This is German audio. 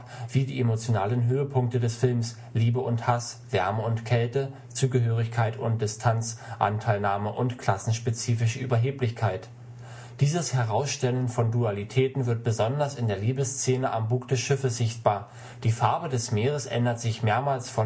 emotionalen Höhepunkte des Films: Liebe und Hass, Wärme und Kälte, Zugehörigkeit und Distanz, Anteilnahme und klassenspezifische Überheblichkeit. “Dieses Herausstellen von Dualitäten wird besonders in der Liebesszene am Bug des Schiffes sichtbar. Die Farbe des Meeres ändert sich mehrmals